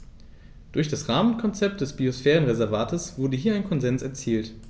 Durch das Rahmenkonzept des Biosphärenreservates wurde hier ein Konsens erzielt.